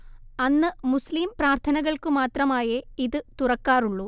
അന്ന് മുസ്ലിം പ്രാർത്ഥനകൾക്കു മാത്രമായേ ഇത് തുറക്കാറുള്ളൂ